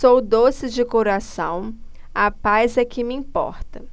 sou doce de coração a paz é que me importa